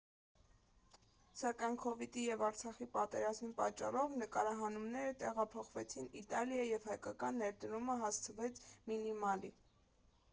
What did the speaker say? Սակայն քովիդի և Արցախի պատերազմի պատճառով նկարահանումները տեղափոխվեցին Իտալիա և հայկական ներդրումը հասցվեց մինիմալի.